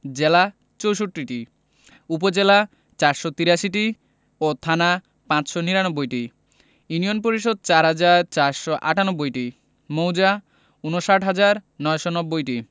জেলা ৬৪টি উপজেলা ৪৮৩টি ও থানা ৫৯৯টি ইউনিয়ন ৪হাজার ৪৯৮টি মৌজা ৫৯হাজার ৯৯০টি